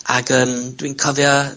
...ag yym, dwi'n cofio...